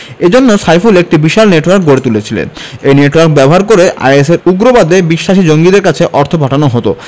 এ জন্য সাইফুল একটি বিশাল নেটওয়ার্ক গড়ে তুলেছিলেন এই নেটওয়ার্ক ব্যবহার করে আইএসের উগ্রবাদে বিশ্বাসী জঙ্গিদের কাছে অর্থ পাঠানো হতো